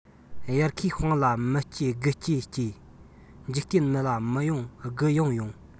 དབྱར ཁའི སྤང ལ མི སྐྱེ དགུ སྐྱེ སྐྱེ འཇིག རྟེན མི ལ མི ཡོང དགུ ཡོང ཡོང